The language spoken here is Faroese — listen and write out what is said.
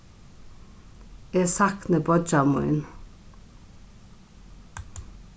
eg sakni beiggja mín